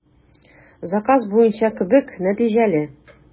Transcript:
Заказ буенча кебек, нәтиҗәле.